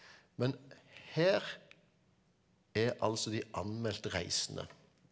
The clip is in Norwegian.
men her er altså de anmeldt reisende.